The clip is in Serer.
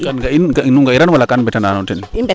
kan nga in nu nga i ran wala nu mbeta na fulaan o ten